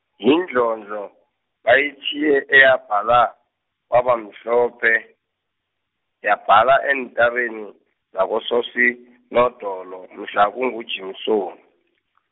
yindlondlo, bayitjhiye eyabhala, kwabamhlophe, yabhala eentabeni, zakoSoSinodolo mhla kunguJimsoni .